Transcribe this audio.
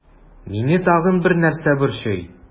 Мине тагын бер нәрсә борчый.